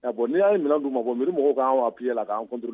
Bɔn n'i y'a minɛn dugu ma miiri mɔgɔw k'an apii la k'an